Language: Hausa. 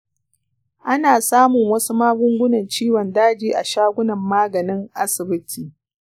ana samun wasu magungunan ciwon daji a shagunan maganin asibiti.